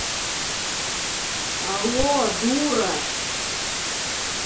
алло дура